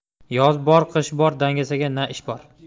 yoz bor qish bor dangasaga na ish bor